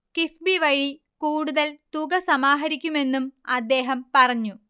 കിഫ്ബി വഴി കൂടുതൽ തുക സമാഹരിക്കുമെന്നും അദ്ദേഹം പറഞ്ഞു